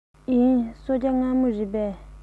ཡིན གསོལ ཇ མངར མོ རེད པས